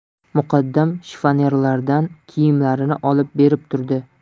muqaddam shifonerlardan kiyimlarini olib berib turdi